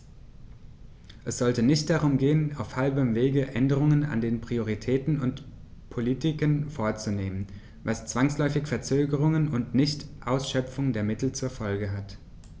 Es sollte nicht darum gehen, auf halbem Wege Änderungen an den Prioritäten und Politiken vorzunehmen, was zwangsläufig Verzögerungen und Nichtausschöpfung der Mittel zur Folge hat.